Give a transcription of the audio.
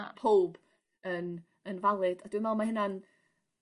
a powb yn yn valid a dwi'n me'wl ma' hynna'n